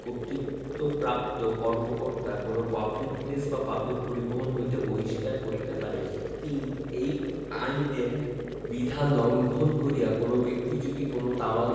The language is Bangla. কর্তৃত্বপ্রাপ্ত কর্মকর্তঅ কোন পাবলিক প্লেস বা পাবলিক পরিবহণ হইতে বহিষ্কার করিতে পারিবেন ৩ এই আইনের বিধান লংঘন করিয়া কোন ব্যক্তি যদি কোন তামাক